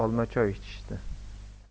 olma choy ichishdi